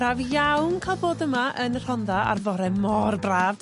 ...braf iawn ca'l bod yma yn y Rhondda ar fore mor braf.